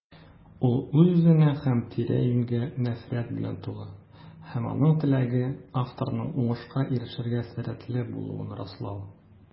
Ул үз-үзенә һәм тирә-юньгә нәфрәт белән тулы - һәм аның теләге: авторның уңышка ирешергә сәләтле булуын раслау.